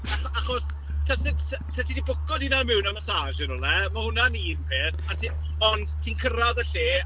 Acho- achos, taset... 'set 'set ti di bwco dy hunan mewn am massage yn rywle mae hwnna'n un peth. A ti... ond ti'n cyrraedd y lle...